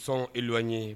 Sɔn ewa ye